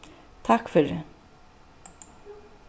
takk fyri